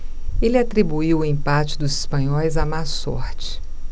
ele atribuiu o empate dos espanhóis à má sorte